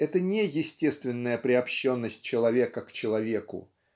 Это не естественная приобщенность человека к человеку